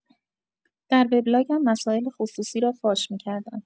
در وبلاگم مسائل خصوصی را فاش می‌کردم.